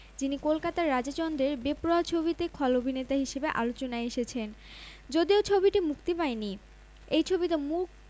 বাংলাদেশ প্রতিদিন এর online desk হতে সংগৃহীত লিখেছেনঃ আব্দুল্লাহ সিফাত তাফসীর প্রকাশের সময় ১৪মে ২০১৮ বিকেল ৪ টা ৩৭ মিনিট